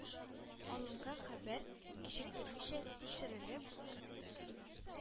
Алынган хәбәр кичектермичә тикшерелеп,